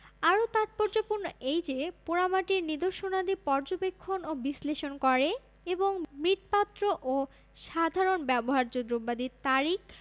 আরও তাৎপর্যপূর্ণ এই যে পোড়ামাটির নিদর্শনাদি পর্যবেক্ষণ ও বিশ্লেষণ করে এবং মৃৎপাত্র ও সাধারণ ব্যবহার্য দ্রব্যাদির তারিখ